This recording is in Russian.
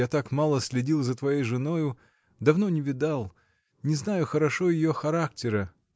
Я так мало следил за твоей женою, давно не видал. не знаю хорошо ее характера.